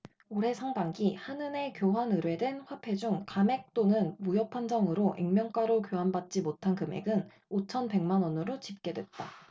올해 상반기 한은에 교환 의뢰된 화폐 중 감액 또는 무효판정으로 액면가로 교환받지 못한 금액은 오천 백 만원으로 집계됐다